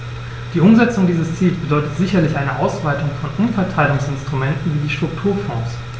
Die Umsetzung dieses Ziels bedeutet sicherlich eine Ausweitung von Umverteilungsinstrumenten wie die Strukturfonds.